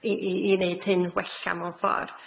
i- i- i neud hyn wella mewn ffor.